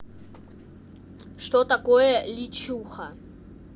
что такое личуха